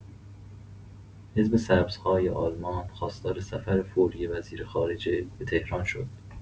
حزب سبزهای آلمان خواستار سفر فوری وزیرخارجه به تهران شد.